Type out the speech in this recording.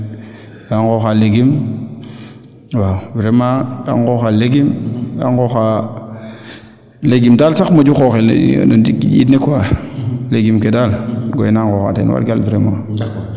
kaa ngooxa legume waaw vraiment ga ngooxa legume a ngooxa legume sax ten moƴu xooxxel no ndiing ne quoi legume ke daal goye naa ngoxa teen wargal vraiment d' accord